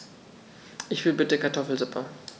Ich will bitte Kartoffelsuppe.